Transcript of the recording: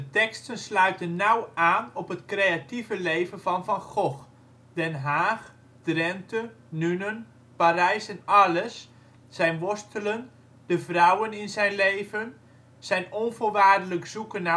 teksten sluiten nauw aan op het creatieve leven van Van Gogh: Den Haag, Drenthe, Nuenen, Parijs en Arles, zijn worstelen, de vrouwen in zijn leven, zijn onvoorwaardelijk zoeken